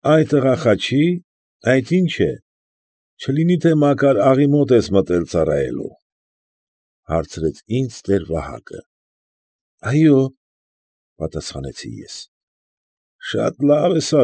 Ա՛յ տղա, Խաչի, այդ ի՞նչ է, չլինի թե Մակար աղայի մոտ ես մտել ծառայելու, ֊ հարցրեց ինձ տեր֊Վահակը։ ֊ Այո՛, ֊ պատասխանեցի ես։ ֊ Շատ լավ ես։